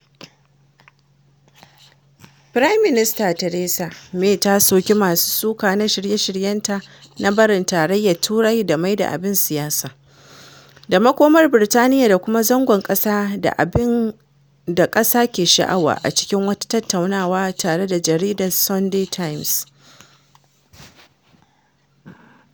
Firaminista Theresa May ta soki masu suka na shirye-shiryenta na barin Tarayyar Turai da “maida abin siyasa” da makomar Birtaniyya da kuma zagon ƙasa ga abin da ƙasa ke sha’awa a cikin wata tattaunawa tare da jaridar Sunday Times.